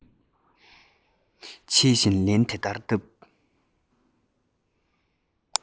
བྱེད བཞིན ལན དེ ལྟར བཏབ